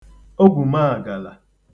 ogwùmaàgàlà